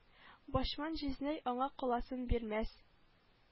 Бачман җизнәй аңа каласын бирмәс